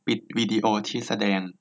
ปิดวิดีโอที่แสดง